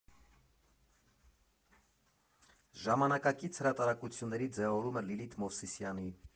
Ժամանակակից հրատարակությունների ձևավորումը՝ Լիլիթ Մովսիսյանի։